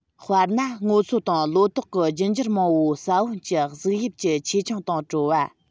དཔེར ན སྔོ ཚོད དང ལོ ཏོག གི རྒྱུད འགྱུར མང པོའི ས བོན གྱི གཟུགས དབྱིབས ཀྱི ཆེ ཆུང དང བྲོ བ